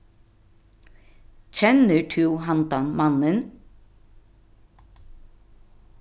kennir tú handan mannin